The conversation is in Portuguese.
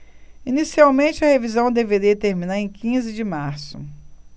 inicialmente a revisão deveria terminar em quinze de março